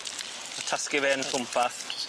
A tasgu fe yn twmpath.